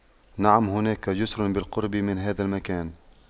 نعم هناك جسر بالقرب من هذا المكان